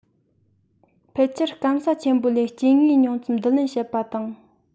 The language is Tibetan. ཕལ ཆེར སྐམ ས ཆེན པོ ལས སྐྱེ དངོས ཉུང ཙམ བསྡུ ལེན བྱེད པ དང